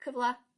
cyfla